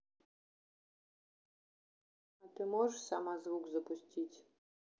а ты можешь сама звук запустить